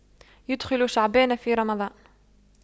يُدْخِلُ شعبان في رمضان